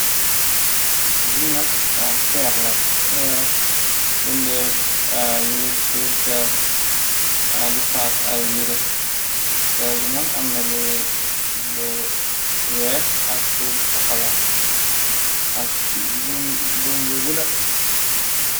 Linak feela feer bundee use purr feer dipaas ay yire feer bi nag amna lu weex ak bu sokkola ak bumbu guda.